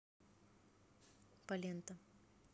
полента